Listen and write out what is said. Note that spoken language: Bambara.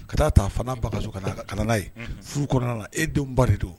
Ka taa ta fanga ba kaso ka ka kalan n' ye furu kɔnɔna na e denwba de don